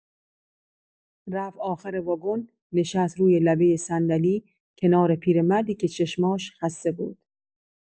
رفت آخر واگن، نشست روی لبۀ صندلی، کنار پیرمردی که چشماش خسته بود.